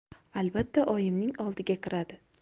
albatta oyimning oldiga kiradi